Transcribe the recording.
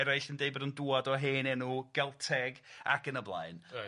Eraill yn deud bod o'n dŵad o hen enw Gelteg ac yn y blaen. Reit.